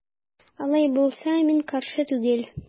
Алай булса мин каршы түгел.